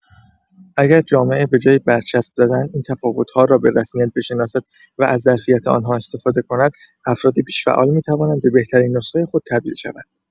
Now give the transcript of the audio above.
اگر جامعه به‌جای برچسب زدن، این تفاوت‌ها را به‌رسمیت بشناسد و از ظرفیت آن‌ها استفاده کند، افراد بیش‌فعال می‌توانند به بهترین نسخه خود تبدیل شوند.